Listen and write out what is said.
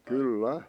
kyllä